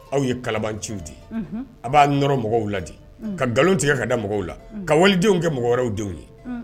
Aw ye kalabanciw de ye, unhun, aw b'a nɔɔrɔ mɔgɔw la de, unhun, ka nkalon tigɛ ka da mɔgɔw la ka walidenw kɛ mɔgɔ wɛrɛw denw ye